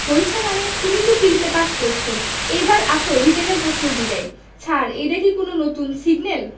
হইছে মানে তুমি তো প্রিলিতে পাস করছ এইবার আসো রিটেনের প্রশ্ন জিগাই ছার এইডা কি কুনো নতুন সিগনেল